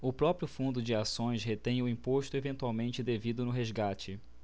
o próprio fundo de ações retém o imposto eventualmente devido no resgate